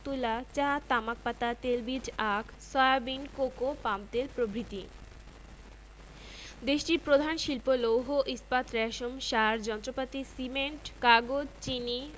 তুলা চা তামাক পাতা তেলবীজ আখ সয়াবিন কোকো পামতেল প্রভৃতি দেশটির প্রধান শিল্প লৌহ ইস্পাত রেশম সার যন্ত্রপাতি সিমেন্ট কাগজ চিনি